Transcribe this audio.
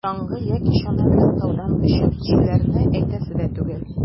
Чаңгы яки чана белән таудан очып төшүләрне әйтәсе дә түгел.